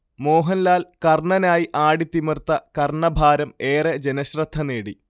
മോഹൻലാൽ കർണനായി ആടിത്തിമിർത്ത കർണഭാരം ഏറെ ജനശ്രദ്ധ നേടി